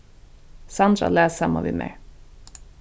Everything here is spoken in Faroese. sandra las saman við mær